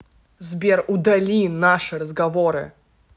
сбер удали наши разговоры